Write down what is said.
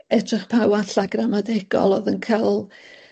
Edrych pa walla gramadegol o'dd yn ca'l